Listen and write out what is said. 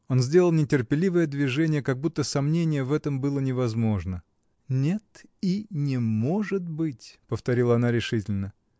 Он сделал нетерпеливое движение, как будто сомнение в этом было невозможно. — Нет, и не может быть! — повторила она решительно.